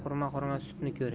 xurma xurma sutni ko'ring